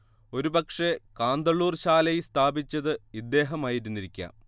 ഒരുപക്ഷേ കാന്തളൂർ ശാലൈ സ്ഥാപിച്ചത് ഇദ്ദേഹമായിരുന്നിരിക്കാം